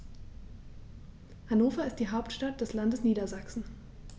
Hannover ist die Hauptstadt des Landes Niedersachsen.